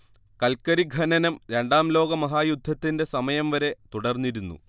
കൽക്കരി ഖനനം രണ്ടാം ലോകമഹായുദ്ധത്തിന്റെ സമയം വരെ തുടർന്നിരുന്നു